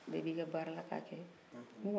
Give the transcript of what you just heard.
min kɔnin kɛra dɔnnikɛla y'ala min kɛra mori y'ala